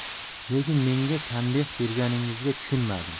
lekin menga tanbeh berganingizga tushunmadim